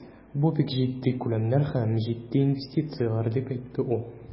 Бу бик җитди күләмнәр һәм җитди инвестицияләр, дип әйтте ул.